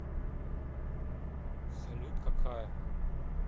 салют какая